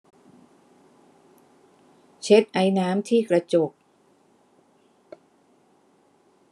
เช็ดไอน้ำที่กระจก